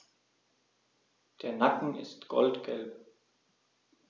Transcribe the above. Der Nacken ist goldgelb.